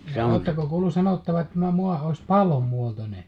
oletteko kuullut sanottavan että tämä maa olisi pallonmuotoinen